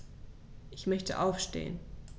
Ich möchte aufstehen.